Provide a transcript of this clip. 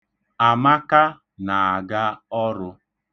Amaka na-aga ọrụ.